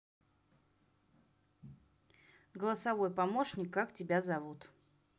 голосовой помощник как тебя зовут